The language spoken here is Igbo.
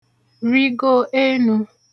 rịgo enū